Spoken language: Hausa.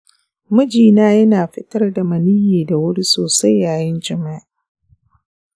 mijina yana fitar da maniyyi da wuri sosai yayin jima’i.